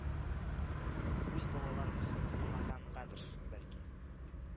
Үз балаларыбыз булмагангадыр бәлки